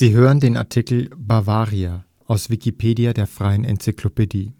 hören den Artikel Bavaria, aus Wikipedia, der freien Enzyklopädie